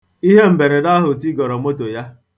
Ihe mberede ahụ tigoro moto ya.